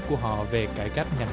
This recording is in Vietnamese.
của họ về cải cách ngành